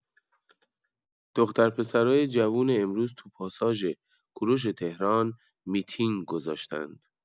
دخترپسرای جوون امروز تو پاساژ کوروش تهران میتینگ گذاشتن.